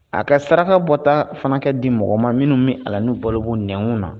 A ka saraka bɔtaa fana ka di mɔgɔ ma minnu mi a la n'u bolo b'u nɛŋu na